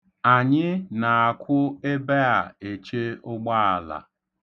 Anyị na-akwụ ebe a eche ụgbaala.